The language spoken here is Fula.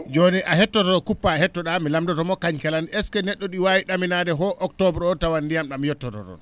jooni a hettoto kuppaa hetto?aa mi lamdoto mbo kañ kalan est ce que ne??o ?i waawi ?aminaade hoo octobre o tawa ndiyam ?am yottoto toon